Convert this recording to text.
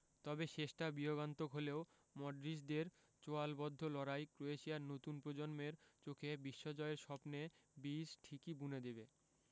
তবে শেষটা বিয়োগান্তক হলেও মডরিচদের চোয়ালবদ্ধ লড়াই ক্রোয়েশিয়ার নতুন প্রজন্মের চোখে বিশ্বজয়ের স্বপ্নে বীজ ঠিকই বুনে দেবে